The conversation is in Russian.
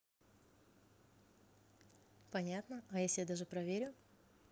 понятно а я себе даже проверю